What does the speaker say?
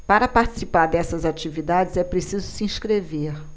para participar dessas atividades é preciso se inscrever